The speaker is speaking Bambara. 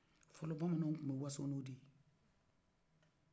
fɔlɔ bamananw kun kɛ waso n'o de ye